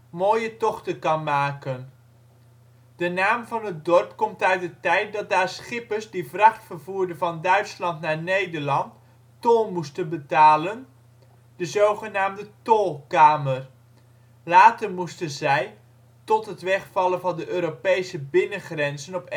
mooie tochten kan maken. De naam van het dorp komt uit de tijd dat daar schippers die vracht vervoerden van Duitsland naar Nederland tol moesten betalen, de zogenaamde tol-kamer. Later moesten zij, tot het wegvallen van de Europese binnengrenzen